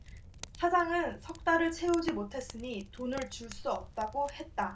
사장은 석 달을 채우지 못했으니 돈을 줄 수 없다고 했다